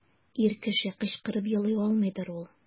Ир кеше кычкырып елый алмыйдыр ул.